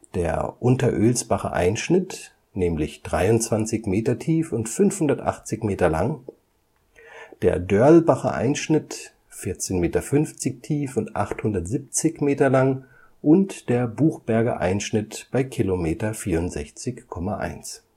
der Unterölsbacher Einschnitt (23 Meter tief, 580 Meter lang) bei km 78,9. der Dörlbacher Einschnitt (14,50 Meter tief, 870 Meter lang) bei km 82,1. der Buchberger Einschnitt bei km 64,1